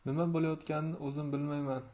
nima bo'layotganini o'zim bilmayman